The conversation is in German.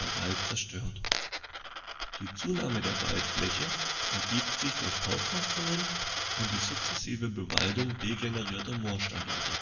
Wald zerstört. Die Zunahme der Waldfläche ergibt sich durch Aufforstungen und die sukzessive Bewaldung degenerierter Moorstandorte